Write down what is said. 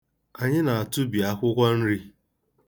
Anyị na-atụbi akwụkwọ nri.